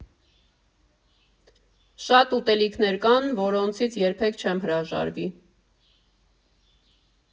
Շատ ուտելիքներ կան, որոնցից երբեք չեմ հրաժարվի։